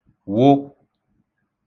wụ